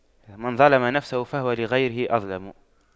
من ظَلَمَ نفسه فهو لغيره أظلم